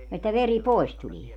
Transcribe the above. että veri pois tulee